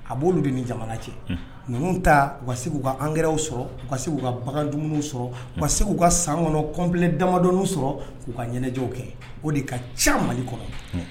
A b'olu de ni jamana cɛ ninnu ta'u ka anɛrɛw sɔrɔ ka uu ka bagandw sɔrɔ ka que uu ka sanɔn kɔnbilen damadɔw sɔrɔ k'u ka ɲɛnajɛɛnɛw kɛ o de ka ca mali kɔrɔ